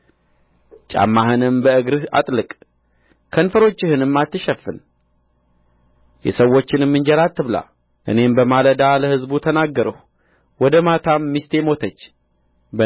ጫማህንም በእግርህ አጥልቅ ከንፈሮችህንም አትሸፍን የሰዎችንም እንጀራ አትብላ እኔም በማለዳ ለሕዝቡ ተናገርሁ ወደ ማታም ሚስቴ ሞተች